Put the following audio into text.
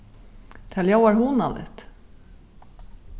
tað ljóðar hugnaligt